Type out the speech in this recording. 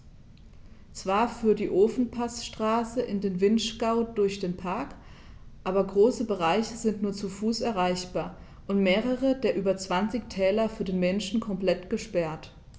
Zwar führt die Ofenpassstraße in den Vinschgau durch den Park, aber große Bereiche sind nur zu Fuß erreichbar und mehrere der über 20 Täler für den Menschen komplett gesperrt.